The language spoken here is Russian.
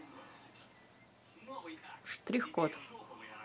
штрих код